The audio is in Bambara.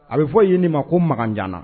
A bɛ fɔ ye nin ma ko makan janana